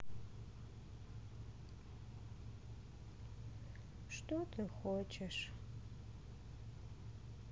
что ты хочешь